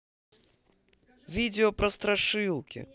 видео про страшилки